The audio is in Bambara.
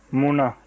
mun na